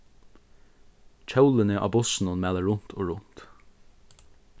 hjólini á bussinum mala runt og runt